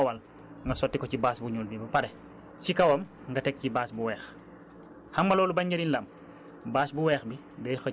bâche bu ñuul bi de moom mooy jiitu d' abord boo ko ci tegee après li nga bugg a owal nga sotti ko ci bâche bu ñuul bi ba pare ci kawam nga teg ci bâche bu weex